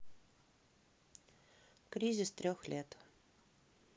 кризис трех лет